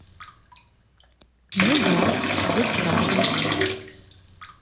ну да вы правы